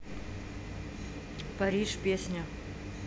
париж песня